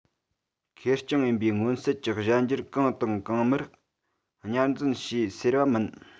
ཁེར རྐྱང ཡིན པའི མངོན གསལ གྱི གཞན འགྱུར གང དང གང མར ཉར འཛིན བྱས ཟེར བ མིན